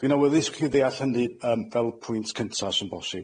Dwi'n awyddus i chi ddeall hynny yym fel pwynt cynta os yn bosib.